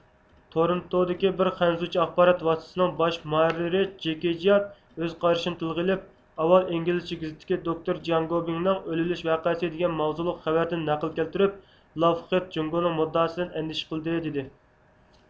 تۇرۇنتۇدىكى بىر خەنزۇچە ئاخبارات ۋاسىتىسىنىڭ باش مۇھەررىرى جېكېجىيا ئۆز قارىشىنى تىلغا ئېلىپ ئاۋۋال ئىنگلىزچە گېزىتتىكى دوكتور جياڭگوبىڭنىڭ ئۆلۈۋېلىش ۋەقەسى دېگەن ماۋزۇلۇق خەۋەردىن نەقىل كەلتۈرۈپ لافخىد جۇڭگونىڭ مۇددىئاسىدىن ئەندىشە قىلدى دېدى